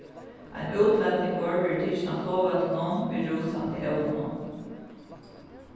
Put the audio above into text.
ein útlendingur verður tikin á flogvøllinum við rúsandi evnum